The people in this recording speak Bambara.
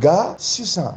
nka sisan